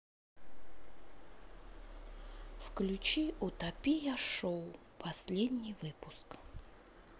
включи утопия шоу последний выпуск